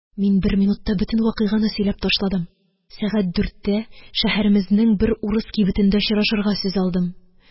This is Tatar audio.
Мин бер минутта бөтен вакыйганы сөйләп ташладым. Сәгать дүрттә шәһәремезнең бер урыс кибетендә очрашырга сүз алдым.